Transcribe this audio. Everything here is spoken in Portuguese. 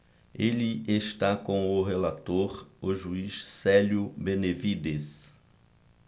ele está com o relator o juiz célio benevides